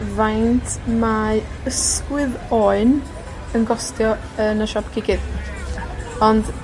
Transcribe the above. faint mae ysgwydd oen yn gostio yn y siop cigydd. Ond,